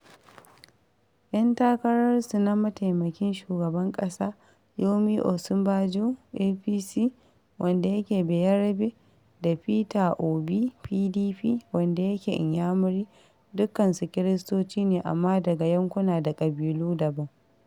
Yan takararsu na mataimakin shugaban ƙasa - Yemi Osibanjo (APC) wanda yake bayarbe da Peter Obi (PDP) wanda yake Inyamiri dukkansu Kiristoci ne - amma daga yankuna da ƙabilu daban.